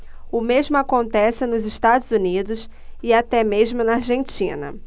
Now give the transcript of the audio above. o mesmo acontece nos estados unidos e até mesmo na argentina